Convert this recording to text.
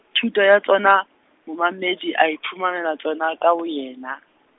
thuto ya tsona momamedi, a iphumanela yona ka boyena.